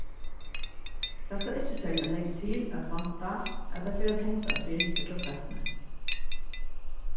tað skal ikki serliga nógv til at vænta at tað fer at henda fyrr ella seinni